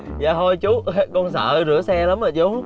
dạ thôi chú con sợ rửa xe lắm rồi chú